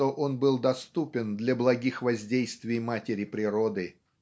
что он был доступен для благих воздействий матери-природы.